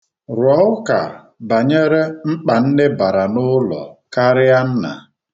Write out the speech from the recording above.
Rụọ ụka banyere mkpa nne bara n'ụlọ karịa nna.